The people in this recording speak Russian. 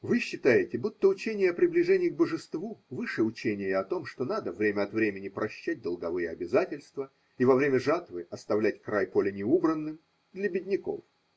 Вы считаете, будто учение о приближении к божеству выше учения о том, что надо время от времени прощать долговые обязательства, и во время жатвы оставлять край поля неубранным – для бедняков